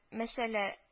Мәсьәлә